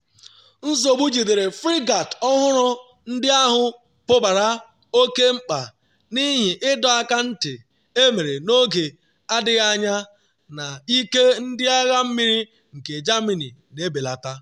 Nsogbu jidere frigate ọhụrụ ndị ahụ pụbara oke mkpa n’ihi ịdọ aka ntị emere n’oge adịghị anya na ike Ndị Agha Mmiri nke Germany na-ebeleta.